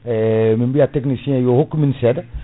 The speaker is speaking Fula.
min biya technicien yo hokku min seeɗa